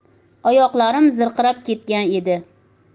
oyoqlarim zirqirab ketgan edi